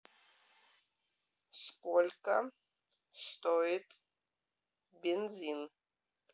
сколько стоит бензин